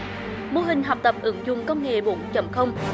mô hình học tập ứng dụng công nghệ bốn chấm không